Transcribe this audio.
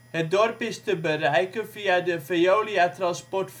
Het dorp is te bereiken via de Veolia Transport